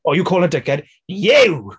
"Who you calling a dickhead?" "You!"